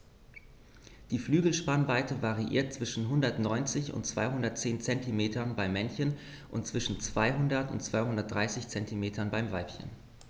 Die Flügelspannweite variiert zwischen 190 und 210 cm beim Männchen und zwischen 200 und 230 cm beim Weibchen.